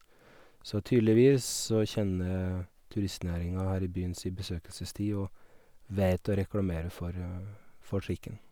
Så tydeligvis så kjenner turistnæringa her i byen si besøkelsestid og vet å reklamere for for trikken.